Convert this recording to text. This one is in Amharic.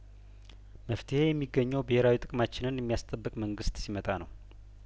መፍትሄ የሚገኘው ብሄራዊ ጥቅማችንን የሚያስጠብቅ መንግስት ሲመጣ ነው